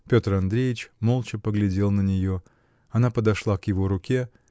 Петр Андреич молча поглядел на нее она подошла к его руке